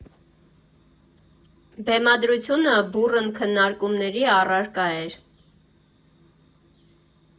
Բեմադրությունը բուռն քննարկումների առարկա էր.